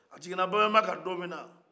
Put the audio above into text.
a jigina babemba ka don mina